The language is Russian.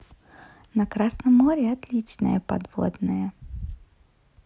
на красном море отличная подводная